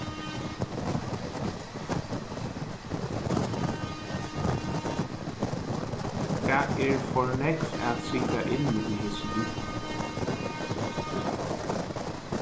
tað er for nógv at sita inni í hesum hitanum